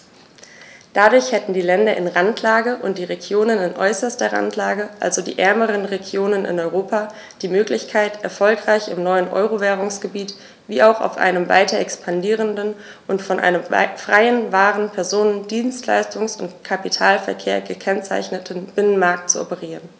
Dadurch hätten die Länder in Randlage und die Regionen in äußerster Randlage, also die ärmeren Regionen in Europa, die Möglichkeit, erfolgreich im neuen Euro-Währungsgebiet wie auch auf einem weiter expandierenden und von einem freien Waren-, Personen-, Dienstleistungs- und Kapitalverkehr gekennzeichneten Binnenmarkt zu operieren.